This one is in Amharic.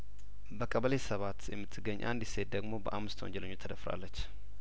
በቀበሌ ሰባት የምትገኝ አንዲት ሴት ደግሞ በአምስት ወንጀለኞች ተደፍራለች